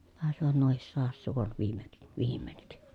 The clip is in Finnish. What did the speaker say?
taisivat nuokin saada suon - viimeinkin